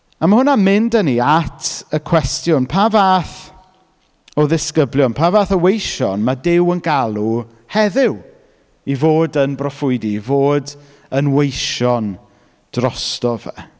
A ma' hwnna'n mynd â ni at y cwestiwn, pa fath o ddisgyblion, pa fath o weision, ma' Duw yn galw heddiw i fod yn broffwydi, i fod yn weision drosto fe?